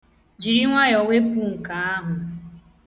Jiri nwayọọ wepụ nko ahụ.